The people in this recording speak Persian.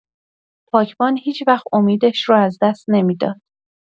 پاکبان هیچ‌وقت امیدش رو از دست نمی‌داد.